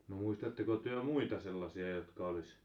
no muistatteko te muita sellaisia jotka olisi